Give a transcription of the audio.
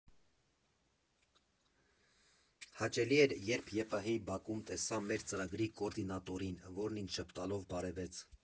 Հաճելի էր, երբ ԵՊՀ֊ի բակում տեսա մեր ծրագրի կոորդինատորին, որն ինձ ժպտալով բարևեց։